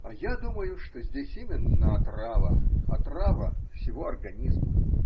– А я думаю, что здесь именно отрава, отрава всего организма.